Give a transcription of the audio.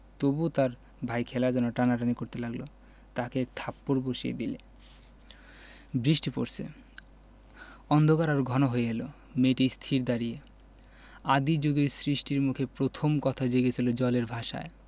তবু তার ভাই খেলার জন্যে টানাটানি করতে লাগলে তাকে এক থাপ্পড় বসিয়ে দিলে বৃষ্টি পরছে অন্ধকার আরো ঘন হয়ে এল মেয়েটি স্থির দাঁড়িয়ে আদি জুগে সৃষ্টির মুখে প্রথম কথা জেগেছিল জলের ভাষায়